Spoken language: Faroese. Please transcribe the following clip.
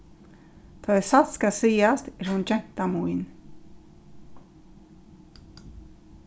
tá ið satt skal sigast er hon genta mín